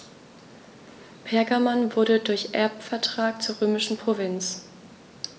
Pergamon wurde durch Erbvertrag zur römischen Provinz.